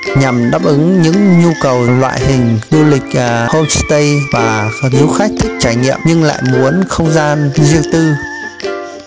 nhằm đáp ứng những nhu cầu loại hình du lịch homestay và du khách thích trải nghiệm nhưng lại muốn không gian riêng tư